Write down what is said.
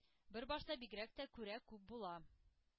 Бөрбашта бигрәк тә кура күп була.